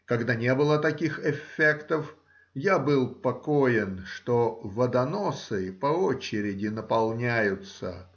Когда не было таких эффектов, я был покоен, что водоносы по очереди наполняются